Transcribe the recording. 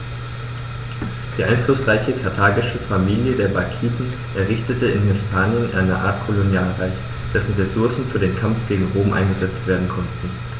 Die einflussreiche karthagische Familie der Barkiden errichtete in Hispanien eine Art Kolonialreich, dessen Ressourcen für den Kampf gegen Rom eingesetzt werden konnten.